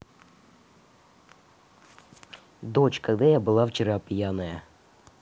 дочь когда я была вчера пьяная